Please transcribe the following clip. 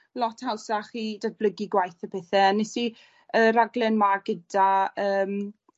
lot hawsach i datblygu gwaith a pethe a nes i y raglen 'ma gyda yym